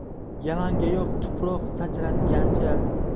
yalangoyoq tuproq sachratgancha